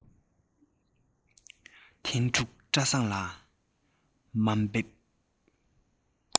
ཐན ཕྲུག བཀྲ བཟང ལ དམའ འབེབས